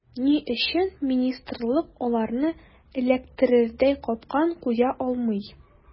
Ни өчен министрлык аларны эләктерердәй “капкан” куя алмый.